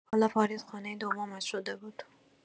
حالا پاریس خانه دومش شده بود.